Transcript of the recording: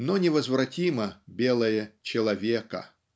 Но невозвратимо белое человека.